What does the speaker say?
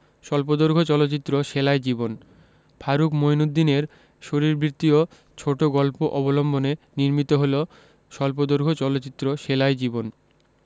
স্বল্পদৈর্ঘ্য চলচ্চিত্র সেলাই জীবন ফারুক মইনউদ্দিনের শরীরবৃত্তীয় ছোট গল্প অবলম্বনে নির্মিত হল স্বল্পদৈর্ঘ্য চলচ্চিত্র সেলাই জীবন